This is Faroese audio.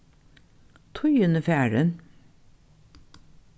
tíðin er farin